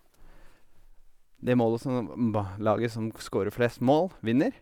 Det målet somem mbah laget som skårer flest mål, vinner.